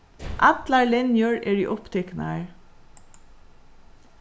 allar linjur eru upptiknar